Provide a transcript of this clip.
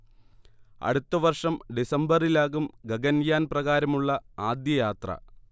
അടുത്ത വർഷം ഡിസംബറിലാകും ഗഗൻയാൻ പ്രകാരമുള്ള ആദ്യ യാത്ര